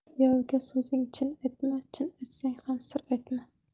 yovga so'zing chin aytma chin aytsang ham sir aytma